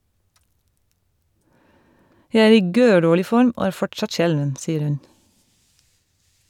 - Jeg er i gørrdårlig form og er fortsatt skjelven, sier hun.